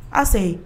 Ayi